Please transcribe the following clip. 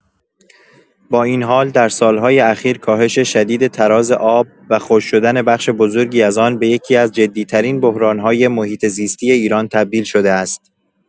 با این حال، در سال‌های اخیر کاهش شدید تراز آب و خشک‌شدن بخش بزرگی از آن، به یکی‌از جدی‌ترین بحران‌های محیط زیستی ایران تبدیل شده است.